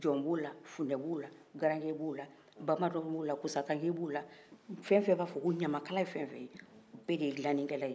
numun b'o la funɛ b'o la garange b'o la jɔn b'o la kusakanke b' o la yamakala ye fɛw fɛ ye bɛɛ de ye dilanin kɛla ye